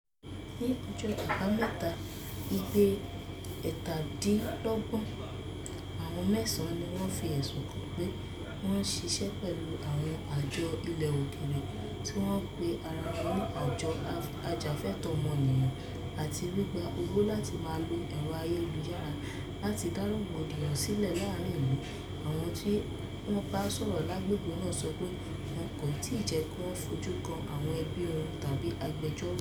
Ní ọjọ́ Àbámẹ́ta, Igbe 27, àwọn mẹ̀sẹ́ẹ̀sán ni wọ́n fi ẹ̀sùn kàn pé "Wọ́n ń ṣíṣẹ́ pẹ̀lú àwọn àjọ ilẹ̀ òkèèrè tí wọ́n pe ara wọn ní ajàfẹ̀tọ̀ọ́ ọmọniyàn àti...gbígba owó láti máa ló ẹ̀rọ ayélujára láti dá rògbòdìyàn silẹ láàárín ìlú. "Àwọn tí a bá sọ̀rọ̀ lágbègbè náà sọ pé wọn kò tíì jẹ́ kí Wọ́n fi ojú kán ẹbí wọn tàbí agbẹjọ́rò".